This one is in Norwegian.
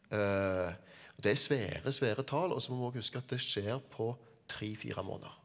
det er svære svære tall og så må vi óg huske på at det skjer på tre fire måneder.